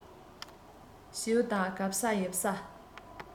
བྱིའུ དག གབ ས ཡིབ ས